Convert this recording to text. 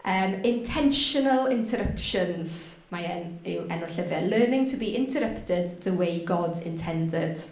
Yym, Intentional Interruptions, mae e'n... yw enw'r llyfr. Learning to be Interrupted the way God Intended.